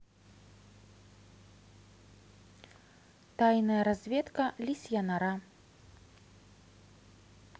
тайная разведка лисья нора